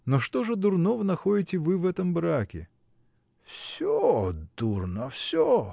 но что же дурного находите вы в этом браке? -- Все дурно, все.